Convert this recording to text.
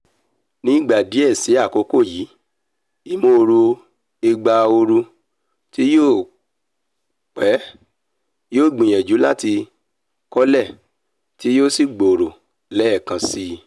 Ní ìgbà díẹ̀ sí àkókò yìí, ìmóoru ìgbà ooru tí yóò pẹ́ yóò gbìyànjù láti kọ́lé tí yóò sì gbòòrò lẹ́ẹ̀kan síi.